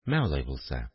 – мә, алай булса